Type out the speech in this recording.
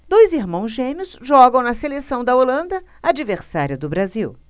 dois irmãos gêmeos jogam na seleção da holanda adversária do brasil